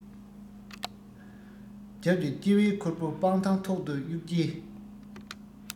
རྒྱབ གྱི ལྕི བའི ཁུར པོ སྤང ཐང ཐོག ཏུ གཡུགས རྗེས